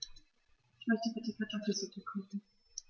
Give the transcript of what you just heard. Ich möchte bitte Kartoffelsuppe kochen.